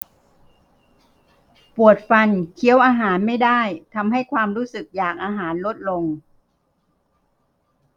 ปวดฟันเคี้ยวอาหารไม่ได้ทำให้ความรู้สึกอยากอาหารลดลง